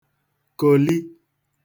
kòli